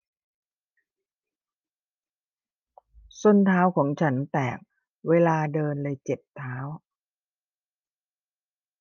ส้นเท้าของฉันแตกเวลาเดินเลยเจ็บเท้า